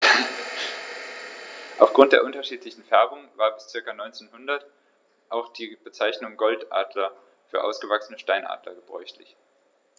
Auf Grund der unterschiedlichen Färbung war bis ca. 1900 auch die Bezeichnung Goldadler für ausgewachsene Steinadler gebräuchlich.